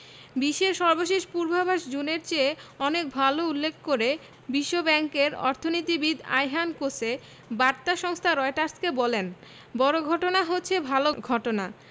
বিশ্বের সর্বশেষ পূর্বাভাস জুনের চেয়ে অনেক ভালো উল্লেখ করে বিশ্বব্যাংকের অর্থনীতিবিদ আয়হান কোসে বার্তা সংস্থা রয়টার্সকে বলেন বড় ঘটনা হচ্ছে ভালো ঘটনা